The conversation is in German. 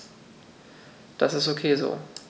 Das ist ok so.